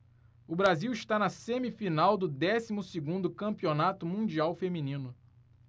o brasil está na semifinal do décimo segundo campeonato mundial feminino